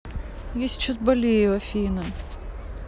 я сейчас болею афина